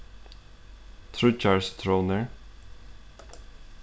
tríggjar sitrónir